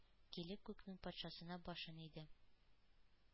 Килеп күкнең патшасына башын иде,